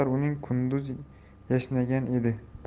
vaqtlar uning qunduz yashnagan edi